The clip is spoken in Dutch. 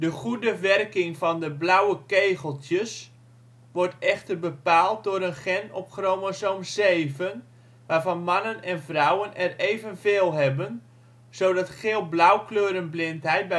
goede werking van de ' blauwe ' kegeltjes wordt echter bepaald door een gen op chromosoom 7, waarvan mannen en vrouwen er even veel hebben, zodat geel-blauw-kleurenblindheid